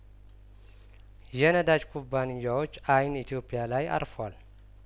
የነዳጅ ኩባንያዎች አይን ኢትዮጵያ ላይ አርፏል